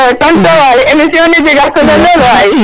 tonton Waly émission ne jega solo lol waay